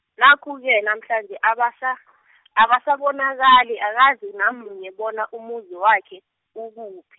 nakhu-ke namhlanje abasa- , abasabonakali, akazi namunye bona umuzi wakhe, ukuphi.